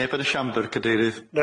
Neb yn y siambr cadeirydd.